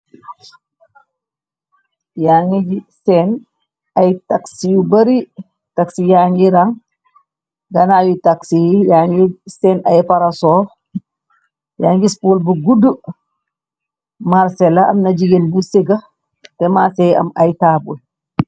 yaa ngi i seen ay taxsi yu bari taxi yaa ngi raŋ ganayu taxi yaangi seen ay parasov yangis paul bu gudd marsela amna jigéen bu ségax te marsey am ay taabul